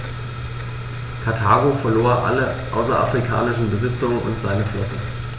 Karthago verlor alle außerafrikanischen Besitzungen und seine Flotte.